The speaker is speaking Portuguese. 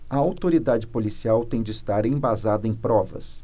a autoridade policial tem de estar embasada em provas